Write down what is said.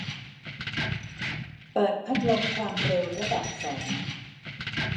เปิดพัดลมความเร็วระดับสอง